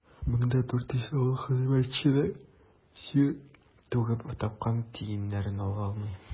2400 авыл хезмәтчәне тир түгеп тапкан тиеннәрен ала алмый.